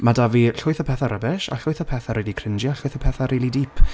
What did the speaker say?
Mae 'da fi llwyth o pethe rubbish a llwyth o pethe rili cringy a llwyth o petha rili deep.